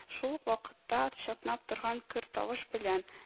Шул ук вакытта чатнап торган көр тавыш белән: